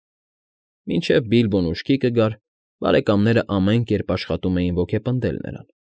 Մինչև Բիլբոն ուշքի կգար, բարեկամներն ամեն կերպ աշխատում էին ոգեպնդել նրան։